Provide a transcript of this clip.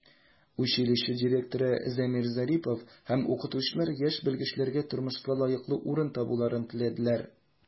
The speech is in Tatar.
Училище директоры Замир Зарипов һәм укытучылар яшь белгечләргә тормышта лаеклы урын табуларын теләделәр.